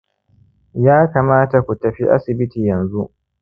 ya kamata ku tafi asibiti yanzu